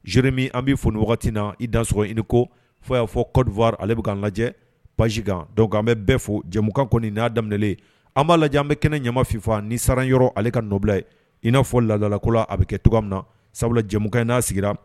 Zoiri min an b bɛ fɔ wagati na i dassɔrɔy ko fɔ y'a fɔ kowa ale bɛ an lajɛ pazkan dɔ an bɛ bɛɛ fɔ jɛmukan kɔni n'a daminɛ an b'a lajɛ an bɛ kɛnɛ ɲamamafinfa nisa yɔrɔ ale ka nɔbila ye in n'afɔ laadadala ko a bɛ kɛ to min na sabula jɛmukan in n'a sigira